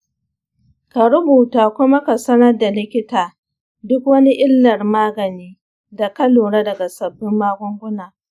ka rubuta kuma ka sanar da likita duk wani illar magani da ka lura daga sabbin magunguna.